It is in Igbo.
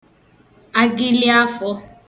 agịlị afọ